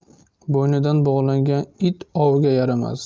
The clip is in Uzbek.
bo'ynidan bog'langan it ovga yaramas